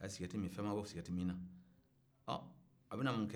a ye sigareti min fɛn ma bɔ sigarɛti minna a bɛna mun kɛ